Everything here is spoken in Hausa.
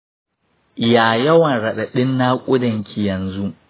ya yawan raɗaɗin naƙudanki yanzu?